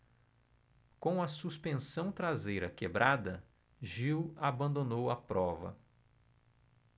com a suspensão traseira quebrada gil abandonou a prova